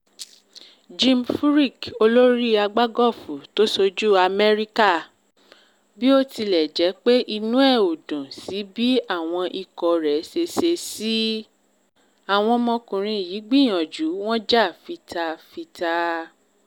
Jim Furyk, olórí agbágọ́ọ̀fù tó ṣojú Amẹ́ríkà, bí ó tilẹ̀ jẹ́ pé inú ẹ̀ ò dùn sí bí àwọn ikọ̀ rẹ̀ ṣeṣe sí “Àwọn ọmọkùnrin yìí gbìyànjú. Wọ́n jà fitafita,